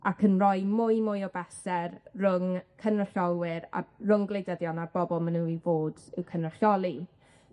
Ac yn roi mwy mwy o bellter rwng cynrychiolwyr a rwng gwleidyddion a'r bobol ma' nw i fod i'w cynrychioli.